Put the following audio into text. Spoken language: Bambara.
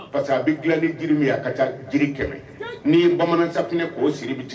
Parce que a bɛ dilanli jiri min a ka ca jiri kɛmɛ ni'i ye bamanansaunɛ k'o siri bɛ cɛ